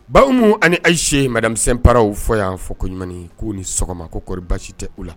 Ba Oumou ani Aiche madame Simparaw fɔ y'an fo Koɲumani k'u ni sɔgɔma ko kɔri basi tɛ u la